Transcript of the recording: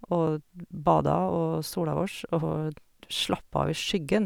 Og bada og sola oss og slappa av i skyggen.